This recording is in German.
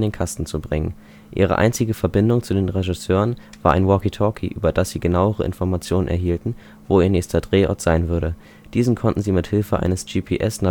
Kasten zu bringen. Ihre einzige Verbindung zu den Regisseuren war ein Walkie-Talkie, über das sie genauere Informationen erhielten, wo ihr nächster Drehort sein würde. Diesen konnten sie mit Hilfe eines GPS-Navigationssystems erreichen